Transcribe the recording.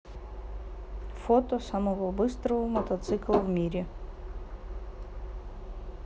фото самого быстрого мотоцикла в мире